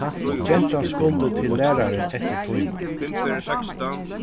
gentan skuldi til lærarin eftir tíman